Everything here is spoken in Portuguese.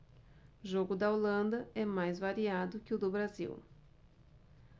jogo da holanda é mais variado que o do brasil